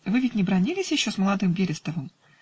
Вы ведь не бранились еще с молодым Берестовым